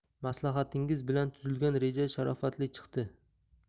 maslahatingiz bilan tuzilgan reja sharofatli chiqdi